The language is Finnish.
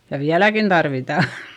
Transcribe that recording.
ja vieläkin tarvitaan